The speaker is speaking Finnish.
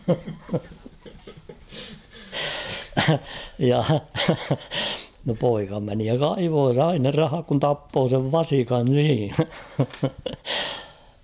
ja no poika meni ja kaivoi sai ne rahat kun tappoi sen vasikan niin